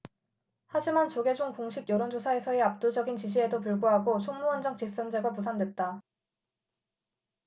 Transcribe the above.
하지만 조계종 공식 여론조사에서의 압도적인 지지에도 불구하고 총무원장 직선제가 무산됐다